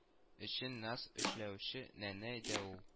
Өчен наз эшләүче нәнәй дә ул